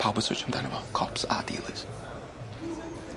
Pawb yn searchio amdano fo. Cops a dealers.